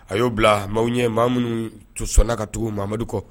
A y'o bila maaw ɲɛ maa minnu son sɔnna ka tugu mamadu kɔ